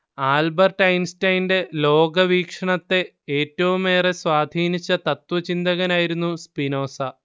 Albert ഐൻസ്റ്റൈന്റെ ലോകവീക്ഷണത്തെ ഏറ്റവുമേറെ സ്വാധീനിച്ച തത്ത്വചിന്തകനായിരുന്നു സ്പിനോസ